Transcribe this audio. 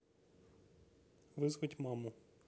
вызвать маму